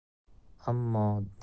ammo doniyorning kuylari